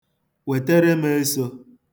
Wetere m eso.